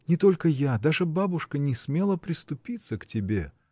— Не только я, даже бабушка не смела приступиться к тебе.